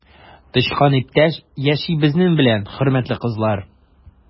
Тычкан иптәш яши безнең белән, хөрмәтле кызлар!